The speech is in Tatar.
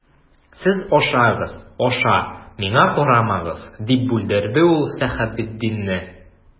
Сез ашагыз, аша, миңа карамагыз,— дип бүлдерде ул Сәхәбетдинне.